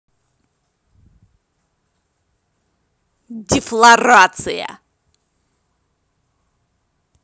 дефлорация